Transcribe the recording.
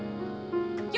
vinh